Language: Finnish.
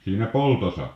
siinä poltossa